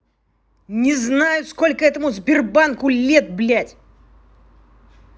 не знаю сколько сбербанку лет блядь